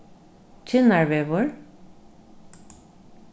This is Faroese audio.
kinnarvegur